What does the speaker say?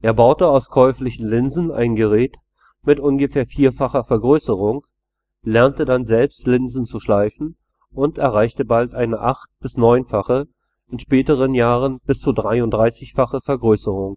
Er baute aus käuflichen Linsen ein Gerät mit ungefähr vierfacher Vergrößerung, lernte dann selbst Linsen zu schleifen und erreichte bald eine acht - bis neunfache, in späteren Jahren bis zu 33-fache Vergrößerung